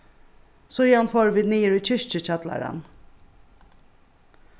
síðan fóru vit niður í kirkjukjallaran